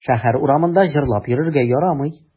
Шәһәр урамында җырлап йөрергә ярамый.